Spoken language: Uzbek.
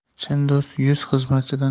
chin do'st yuz xizmatchidan yaxshi